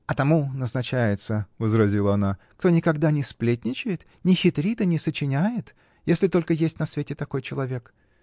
-- А тому назначается, -- возразила она, -- кто никогда не сплетничает, не хитрит и не сочиняет, если только есть на свете такой человек.